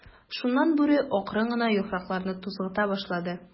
Шуннан Бүре акрын гына яфракларны тузгыта башлады.